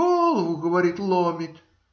Голову, говорит, ломит.